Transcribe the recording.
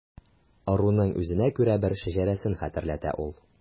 Ыруның үзенә күрә бер шәҗәрәсен хәтерләтә ул.